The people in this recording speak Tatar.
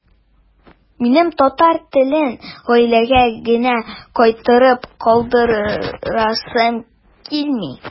Минем татар телен гаиләгә генә кайтарып калдырасым килми.